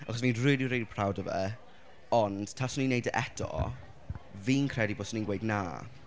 achos fi'n rili rili proud o fe ond, taswn i'n wneud e eto fi'n credu byswn i'n gweud na.